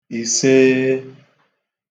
ìsee